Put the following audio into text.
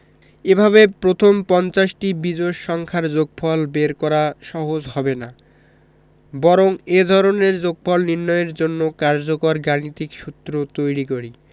এভাবে প্রথম পঞ্চাশটি বিজোড় সংখ্যার যোগফল বের করা সহজ হবে না বরং এ ধরনের যোগফল নির্ণয়ের জন্য কার্যকর গাণিতিক সূত্র তৈরি করি